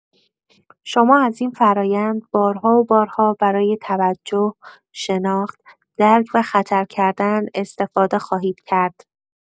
شما از این فرایند بارها و بارها برای توجه، شناخت، درک و خطرکردن استفاده خواهید کرد.